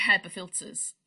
heb y filters